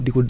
waaw